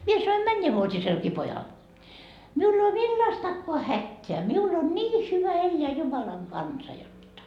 minä sanoin mennävuotisellekin pojalle minulla ei ole millaistakaan hätää minulla on niin hyvä elää Jumalan kanssa jotta